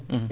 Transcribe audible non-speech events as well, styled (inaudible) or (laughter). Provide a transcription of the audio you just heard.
(hesitation) (hesitation)